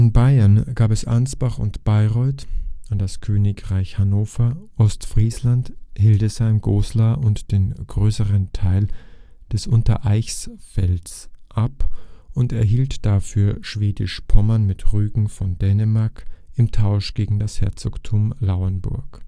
Bayern gab es Ansbach und Bayreuth, an das Königreich Hannover Ostfriesland, Hildesheim, Goslar und den größeren Teil des Untereichsfelds ab und erhielt dafür Schwedisch-Pommern mit Rügen von Dänemark im Tausch gegen das Herzogtum Lauenburg